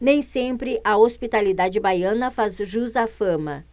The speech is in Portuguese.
nem sempre a hospitalidade baiana faz jus à fama